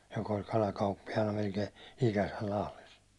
joka oli kalakauppiaana melkein ikänsä Lahdessa